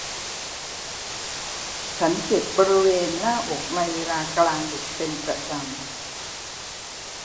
ฉันเจ็บบริเวณหน้าอกในเวลากลางดึกเป็นประจำ